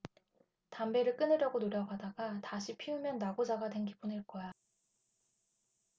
담배를 끊으려고 노력하다가 다시 피우면 낙오자가 된 기분일 거야